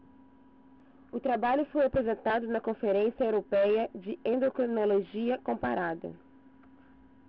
o trabalho foi apresentado na conferência européia de endocrinologia comparada